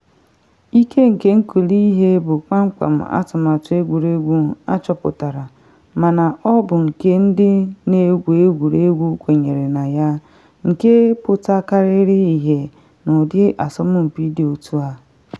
Ike nke nkuli ihe bụ kpamkpam atụmatụ egwuregwu achọpụtara mana ọ bụ nke ndị na-egwu egwuregwu kwenyere na ya, nke pụtakarịrị ihie na ụdị asompi dị otu a.